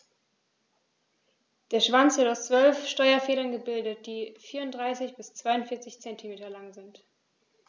Der Schwanz wird aus 12 Steuerfedern gebildet, die 34 bis 42 cm lang sind.